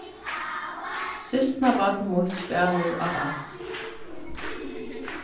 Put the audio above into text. systkinabarn mítt spælir á bass